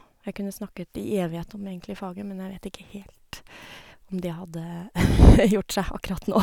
Jeg kunne snakket i evighet om egentlig faget, men jeg vet ikke helt om det hadde gjort seg akkurat nå.